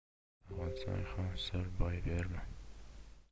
sog'insang ham sir boy berma